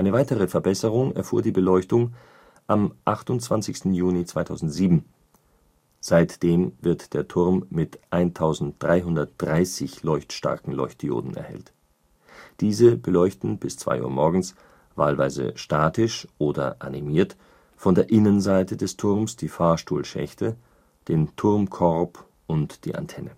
weitere Verbesserung erfuhr die Beleuchtung am 28. Juni 2007, seitdem wird der Turm mit 1330 leuchtstarken Leuchtdioden erhellt. Diese beleuchten bis 2:00 Uhr morgens wahlweise statisch oder animiert von der Innenseite des Turms die Fahrstuhlschächte, den Turmkorb und die Antenne